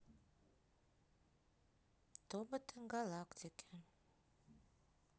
тоботы галактики